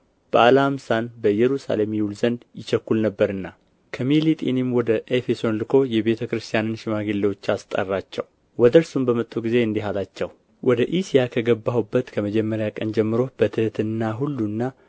በዓለ ኀምሳን በኢየሩሳሌም ይውል ዘንድ ይቸኩል ነበርና ከሚሊጢንም ወደ ኤፌሶን ልኮ የቤተክርስቲያንን ሽማግሌዎች አስጠራቸው ወደ እርሱም በመጡ ጊዜ እንዲህ አላቸው ወደ እስያ ከገባሁበት ከመጀመሪያ ቀን ጀምሮ በትሕትና ሁሉና